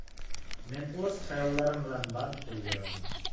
men o'z xayollarim bilan band bo'lib yurardim